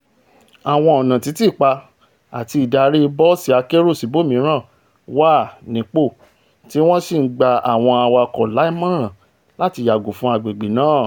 Àwọn ọ̀nà títìpa àti ìdarí bọ́ọ̀sì-akérò síbòmíràn wá nípò tí wọ́n sì gba àwọn awakọ̀ lámọ̀ràn láti yàgò fún agbègbè̀̀ náà.